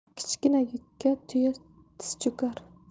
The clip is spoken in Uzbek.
kichkina yukka tuya tiz cho'kar